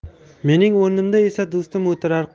mening o'rnimda esa do'stim o'tirar